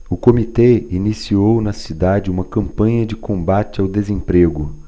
o comitê iniciou na cidade uma campanha de combate ao desemprego